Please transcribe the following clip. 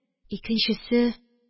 Икенчесе